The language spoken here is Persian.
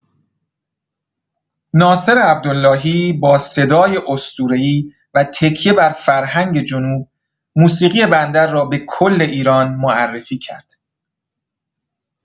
ناصر عبداللهی با صدای اسطوره‌ای و تکیه بر فرهنگ جنوب، موسیقی بندر را به‌کل ایران معرفی کرد.